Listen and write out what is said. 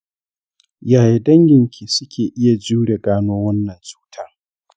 yaya dangin ki suke iya jure gano wannan cutan?